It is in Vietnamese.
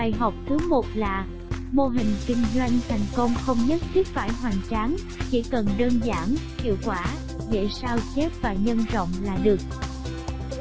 bài học thứ mô hình kinh doanh thành công không nhất thiết phải hoành tráng chỉ cần đơn giản hiệu quả dễ sao chép và nhân rộng là được